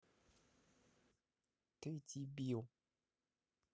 ты дибил